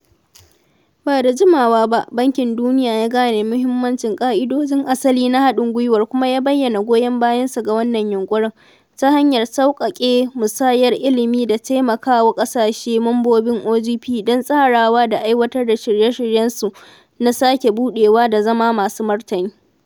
Ba da jimawa ba, Bankin Duniya ya gane muhimmancin ƙa'idojin asali na haɗin gwiwar kuma ya bayyana goyon bayansa ga wannan yunƙurin "ta hanyar sauƙaƙe musayar ilimi da taimaka wa ƙasashe mambobin OGP don tsarawa da aiwatar da shirye-shiryensu na sake buɗewa da zama masu martani."